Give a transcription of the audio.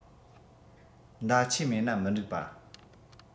མདའ ཆས མེད ན མ འགྲིག པ